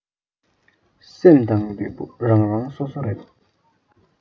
སེམས དང ལུས པོ རང རང སོ སོ རེད